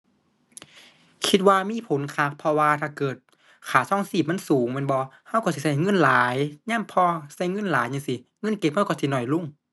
คิดว่ามีผลคัก เพราะว่าถ้าเกิดค่าครองชีพมันสูงแม่นบ่ เราเราสิเราเงินหลาย ยามพอเราเงินหลายจั่งสิ เงินเก็บเราเราสิน้อยลง